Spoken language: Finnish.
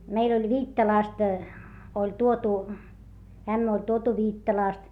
meillä oli Viittalasta oli tuotu ämmä oli tuotu Viittalasta